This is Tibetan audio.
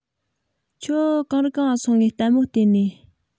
ཁྱོད གང རིགས གང ང སོང ངས ལྟད མོ བལྟས ནིས